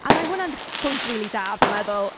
A mae hwnna'n bwynt rili da, fi'n meddwl.